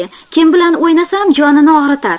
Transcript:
kim bi lan o'ynasam jonini og'ritar